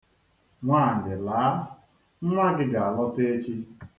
Nwaanyị laa, nnwa gị ga-alọta echi.